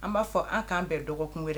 An b'a fɔ an k'an bɛɛ dɔgɔkun wɛrɛ